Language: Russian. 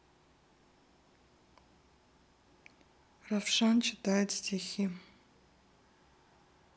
равшан читает стихи